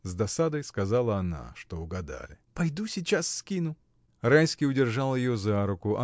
— с досадой сказала она, что угадали, — пойду, сейчас скину. Райский удержал ее за руку